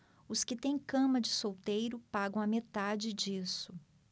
os que têm cama de solteiro pagam a metade disso